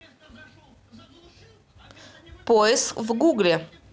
поиск в гугле